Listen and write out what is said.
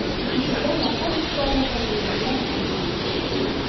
Кичәдә мактап искә алырдай әйберләр күп булды.